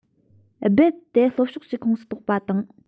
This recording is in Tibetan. རྦད དེ ལྷོ ཕྱོགས ཀྱི ཁོངས ལ གཏོགས པ དང